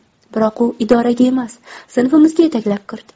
biroq u idoraga emas sinfimizga yetaklab kirdi